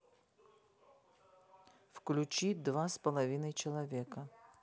включи два с половиной человека